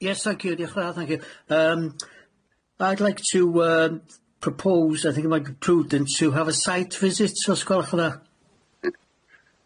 Yes thank you diolch yn fawr thank you yym I'd like to yym propose I think am I- prudence to have a site visit os gwelwch yn dda?